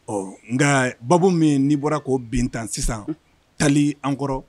Ɔɔ, nka babu min n'i bɔra ko bin tan sisan, taali an kɔrɔ